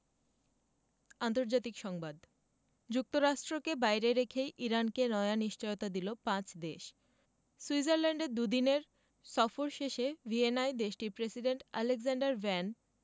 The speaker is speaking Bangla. আন্তর্জাতিক সংবাদ যুক্তরাষ্ট্রকে বাইরে রেখেই ইরানকে নয়া নিশ্চয়তা দিল পাঁচ দেশ সুইজারল্যান্ডে দুদিনের সফর শেষে ভিয়েনায় দেশটির প্রেসিডেন্ট আলেক্সান্ডার ভ্যান